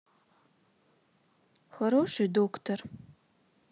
хороший доктор